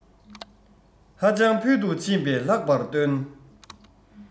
ཧ ཅང ཕུལ དུ ཕྱིན པས ལྷག པར སྟོན